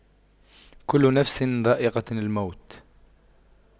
كُلُّ نَفسٍ ذَائِقَةُ المَوتِ